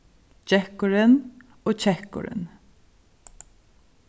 gekkurin og kekkurin